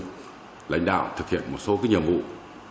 lãnh đạo thực hiện một số nhiệm vụ